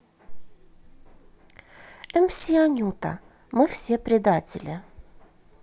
мс анюта мы все предатели